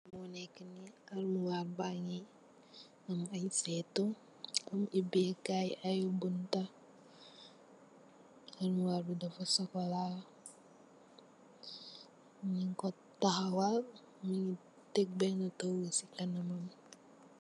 Muneka nee armowar bage am ayee seetu am obekay aye bunta armowar be dafa sukola nugku tahawal nuge tek bena toogu se kanamam.